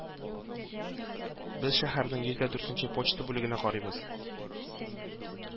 Без шәһәрнең йөз дә дүртенче почта бүлегенә карыйбыз